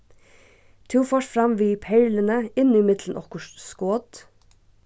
tú fórt fram við perluni inn ímillum okkurt skot